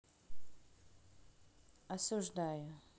осуждаю